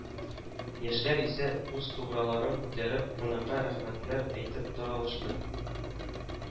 Яшьләр исә, үз туграларын күтәреп, кунакка рәхмәтләр әйтеп таралышты